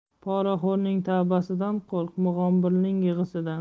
poraxo'rning tavbasidan qo'rq mug'ombirning yig'isidan